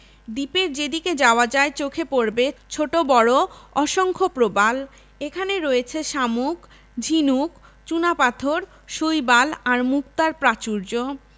দ্বীপের যেদিকে যাওয়া যায় চোখে পড়বে ছোট বড় অসংখ্য প্রবাল এখানে রয়েছে শামুক ঝিনুক চুনাপাথর শৈবাল আর মুক্তার প্রাচুর্য